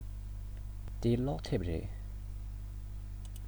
འདི སློབ དེབ རེད